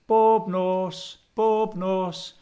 Bob nos, bob nos.